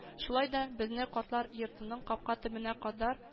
Шулай да безне картлар йортының капка төбенә кадар